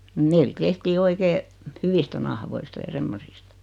meillä tehtiin oikein hyvistä nahkoista ja semmoisista